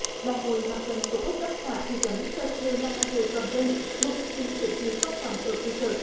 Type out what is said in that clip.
đại hội mặt trận tổ quốc cấp xã thị trấn thực sự là ngày hội toàn dân một sự kiện chính trị quan trọng ở cơ sở